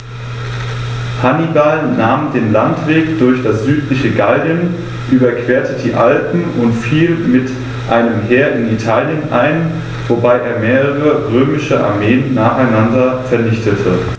Hannibal nahm den Landweg durch das südliche Gallien, überquerte die Alpen und fiel mit einem Heer in Italien ein, wobei er mehrere römische Armeen nacheinander vernichtete.